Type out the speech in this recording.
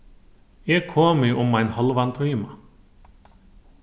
eg komi um ein hálvan tíma